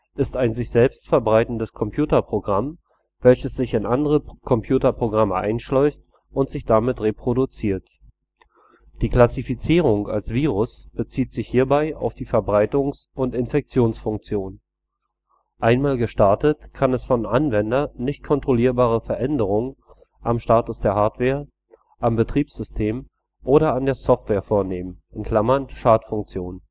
ist ein sich selbst verbreitendes Computerprogramm, welches sich in andere Computerprogramme einschleust und sich damit reproduziert. Die Klassifizierung als Virus bezieht sich hierbei auf die Verbreitungs - und Infektionsfunktion. Einmal gestartet, kann es vom Anwender nicht kontrollierbare Veränderungen am Status der Hardware, am Betriebssystem oder an der Software vornehmen (Schadfunktion